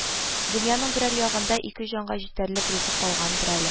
Дөньяның берәр ягында ике җанга җитәрлек ризык калгандыр әле